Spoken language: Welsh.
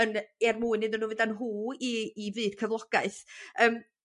yn er mwyn iddyn nw fynd â nhw i i fyd cyflogaeth yym